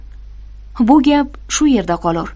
bu gap shu yerda qolur